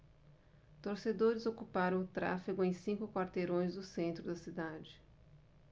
torcedores ocuparam o tráfego em cinco quarteirões do centro da cidade